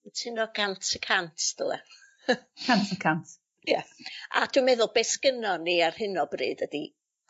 Cytuno gant y cant dyle. Cant y cant. Ia dwi'n meddwl be' sgynnon ni ar hyn o bryd ydi